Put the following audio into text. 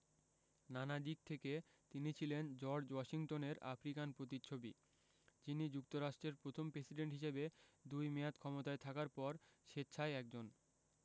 নানা দিক থেকে তিনি ছিলেন জর্জ ওয়াশিংটনের আফ্রিকান প্রতিচ্ছবি যিনি যুক্তরাষ্ট্রের প্রথম প্রেসিডেন্ট হিসেবে দুই মেয়াদ ক্ষমতায় থাকার পর স্বেচ্ছায় একজন